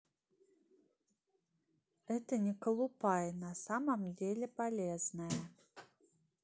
это не колупай на самом деле полезная